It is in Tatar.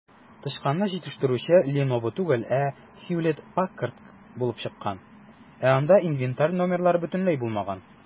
Тычканны җитештерүче "Леново" түгел, ә "Хьюлетт-Паккард" булып чыккан, ә анда инвентарь номерлары бөтенләй булмаган.